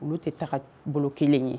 Olu tɛ taa bolo kelen ye